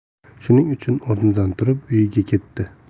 shuning uchun o'rnidan turib uyiga ketdi